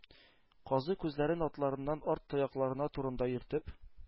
Казый, күзләрен атларның арт тояклары турында йөртеп: